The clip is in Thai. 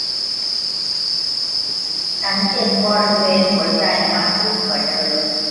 ฉันเจ็บบริเวณหัวใจมากขึ้นกว่าเดิม